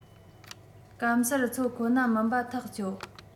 སྐམ སར འཚོ ཁོ ན མིན པ ཐག ཆོད